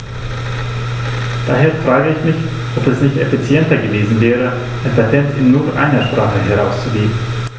Daher frage ich mich, ob es nicht effizienter gewesen wäre, ein Patent in nur einer Sprache herauszugeben.